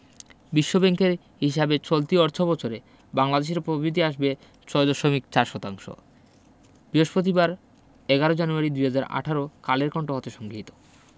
বিশ্বব্যাংকের হিসাবে চলতি অর্থবছরে বাংলাদেশের পবিদ্ধি আসবে ৬.৪ শতাংশ বৃহস্পতিবার ১১ জানুয়ারি ২০১৮ কালের কন্ঠ হতে সংগৃহীত